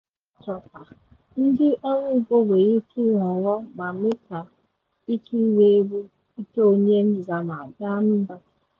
Site na eChoupal, ndị ọrụ ugbo nwere ike ịhọrọ ma mee ka ike nrigbu nke onye nzama daa mba.